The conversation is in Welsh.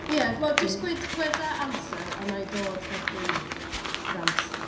Ie, wel... Ydw. ...jyst gwed gweda amser a wna i dod erbyn yr amser.